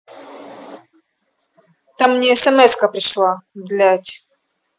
там мне смска пришла блядь